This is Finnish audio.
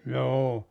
joo